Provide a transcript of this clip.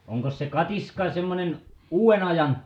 onkos se katiska semmoinen uuden ajan